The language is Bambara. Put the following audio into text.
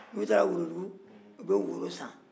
n'u taara worodugu u bɛ woro san